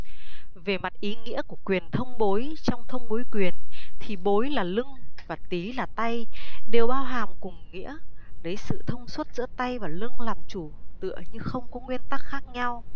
về mặt ý nghĩa của quyền thông bối trong thông bối quyền thì bối là lưng và tý là tay đều bao hàm cùng nghĩa lấy sự thông suốt giữa tay và lưng làm chủ tựa như không có nguyên tắc khác nhau